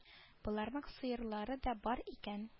Боларның сыерлары да бар икән